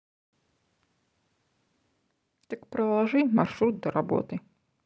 так проложи маршрут до работы